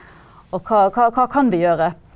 og hva hva hva kan vi gjøre?